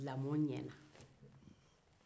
lamɔ ɲɛna